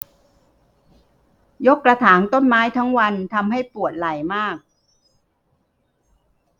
ยกกระถางต้นไม้ทั้งวันทำให้ปวดไหล่มาก